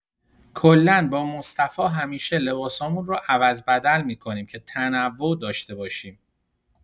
کلا با مصطفی همیشه لباسامون رو عوض‌بدل می‌کنیم که تنوع داشته باشیم.